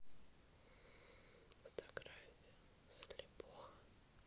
фотография слепуха